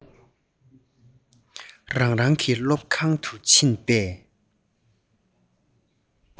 རི ཀླུང གི ལྗོན ཚལ ཞིག དང འདྲ བར